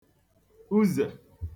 uzè